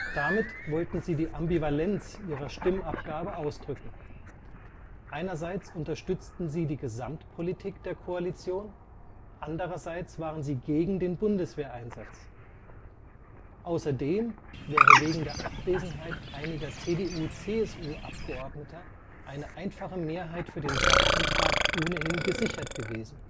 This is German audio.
Damit wollten sie die Ambivalenz ihrer Stimmabgabe ausdrücken: Einerseits unterstützten sie die Gesamtpolitik der Koalition, andererseits waren sie gegen den Bundeswehreinsatz. Außerdem wäre wegen der Abwesenheit einiger CDU/CSU-Abgeordneter eine einfache Mehrheit für den Sachantrag ohnehin gesichert gewesen